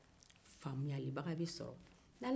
faamuaybaga be sɔrɔ